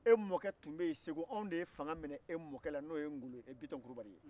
e mɔkɛ tun bɛ yen segu anw de ye fanga minɛ e mɔkɛ la n'o ye n'golo ɛɛ bitɔn kulibali